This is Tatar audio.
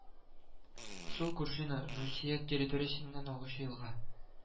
Сул Куржина Русия территориясеннән агучы елга